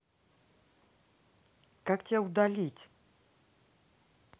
как тебя удалить